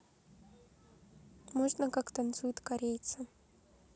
можно как танцует корейца